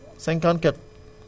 54